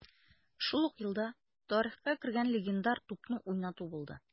Шул ук елда тарихка кергән легендар тупны уйнату булды: